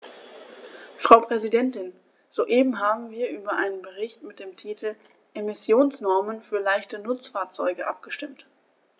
Frau Präsidentin, soeben haben wir über einen Bericht mit dem Titel "Emissionsnormen für leichte Nutzfahrzeuge" abgestimmt.